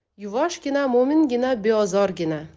yuvoshgina mo'mingina beozorgina